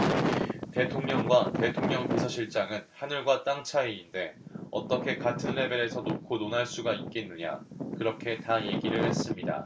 대통령과 대통령 비서실장은 하늘과 땅 차이인데 어떻게 같은 레벨에서 놓고 논할 수가 있겠느냐 그렇게 다 얘기를 했습니다